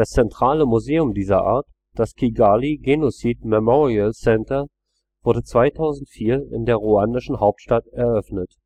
zentrale Museum dieser Art, das Kigali Genocide Memorial Centre, wurde 2004 in der ruandischen Hauptstadt eröffnet